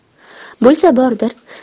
bo'lsa bordir